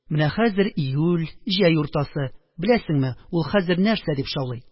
Менә хәзер июль, җәй уртасы. Беләсеңме, ул хәзер нәрсә дип шаулый?